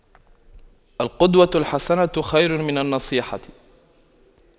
القدوة الحسنة خير من النصيحة